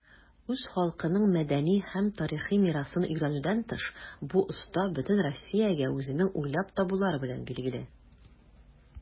Үз халкының мәдәни һәм тарихи мирасын өйрәнүдән тыш, бу оста бөтен Россиягә үзенең уйлап табулары белән билгеле.